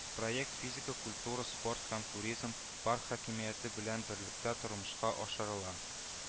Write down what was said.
Проект физик культура, спорт һәм туризм, парк хакимияте белән берлектә тормышка ашырыла